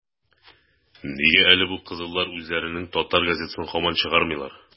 - нигә әле бу кызыллар үзләренең татар газетасын һаман чыгармыйлар?